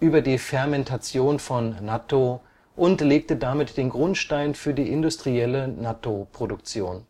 über die Fermentation von Nattō und legte damit den Grundstein für die industrielle Nattō-Produktion